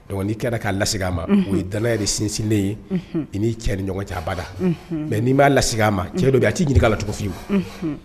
Dɔgɔnin kɛra kaa las ma o ye dan yɛrɛ de sinsinlen ye i'i cɛ ni ɲɔgɔn cɛbada mɛ n'i b'a lassigi ma cɛ don a tɛ' ɲininka lacogofin